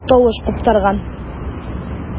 Тавыш куптарган.